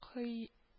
Кой